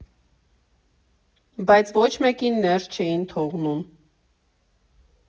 Բայց ոչ մեկին ներս չէին թողնում։